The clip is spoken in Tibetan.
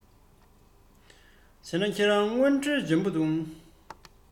བྱས ན ཁྱེད རང དངོས འབྲེལ འཇོན པོ བྱུང